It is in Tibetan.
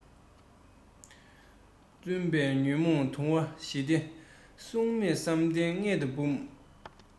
བཙུན པས ཉོན མོངས གདུང བ ཞི སྟེ གཟུགས མེད བསམ གཏན མངལ དུ སྦྲུམ